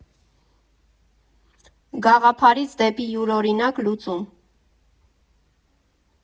Գաղափարից դեպի յուրօրինակ լուծում։